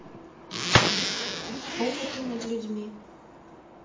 опыты над людьми